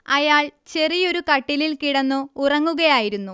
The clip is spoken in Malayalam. അയാൾ ചെറിയൊരു കട്ടിലിൽ കിടന്നു ഉറങ്ങുകയായിരുന്നു